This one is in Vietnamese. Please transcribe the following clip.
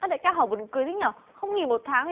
ơ đại ca hỏi buồn cười thế nhờ không nghỉ một tháng